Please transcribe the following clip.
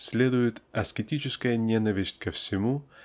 следует аскетическая ненависть ко всему